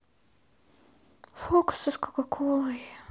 фокусы с кока колой